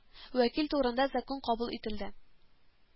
Вәкил турында закон кабул ителде